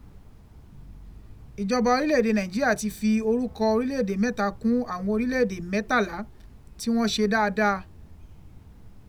Ìjọba orílẹ̀ èdè Nàìjíríà ti fi orukọ orílẹ̀ èdè mẹ́ta kún àwọn orílẹ̀ èdè mẹ́tàlá tí wọ́n ṣe dáadáa.